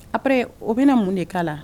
Ap o bɛna mun de kala la